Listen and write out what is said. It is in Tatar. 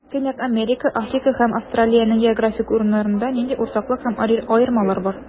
Көньяк Америка, Африка һәм Австралиянең географик урынында нинди уртаклык һәм аермалар бар?